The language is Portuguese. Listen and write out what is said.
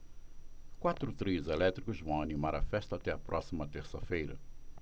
quatro trios elétricos vão animar a festa até a próxima terça-feira